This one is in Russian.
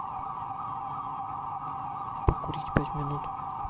покрутить пять минут